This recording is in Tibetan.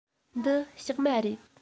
འདི ཕྱགས མ རེད